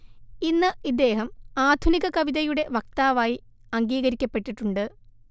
ഇന്ന് ഇദ്ദേഹം ആധുനിക കവിതയുടെ വക്താവായി അംഗീകരിക്കപ്പെട്ടിട്ടുണ്ട്